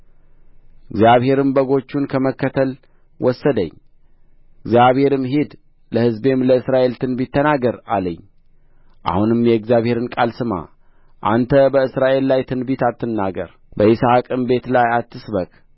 እግዚአብሔርም በጎቹን ከመከተል ወሰደኝ እግዚአብሔርም ሂድ ለሕዝቤም ለእስራኤል ትንቢት ተናገር አለኝ አሁንም የእግዚአብሔርን ቃል ስማ አንተ በእስራኤል ላይ ትንቢት አትናገር በይስሐቅም ቤት ላይ አትስበክ